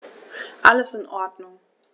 Alles in Ordnung.